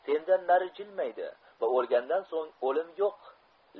sendan nari jilmaydi va o'lgandan so'ng o'lim yo'q